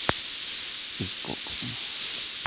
и в попу